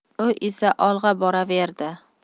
u esa olg'a boraverdi